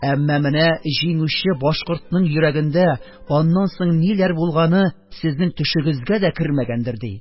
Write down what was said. Әмма менә җиңүче башкортның йөрәгендә аннан соң ниләр булганы - сезнең төшегезгә дә кермәгәндер, -ди.